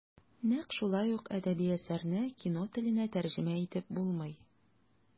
Нәкъ шулай ук әдәби әсәрне кино теленә тәрҗемә итеп булмый.